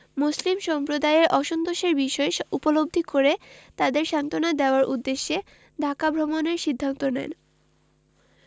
মুসলিম সম্প্রদায়ের অসন্তোষের বিষয় উপলব্ধি করে তাদের সান্ত্বনা দেওয়ার উদ্দেশ্যে ঢাকা ভ্রমণের সিদ্ধান্ত নেন